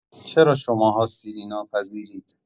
چرا شماها سیری ناپذیرید؟!